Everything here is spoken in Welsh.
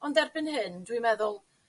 Ond erbyn hyn dwi meddwl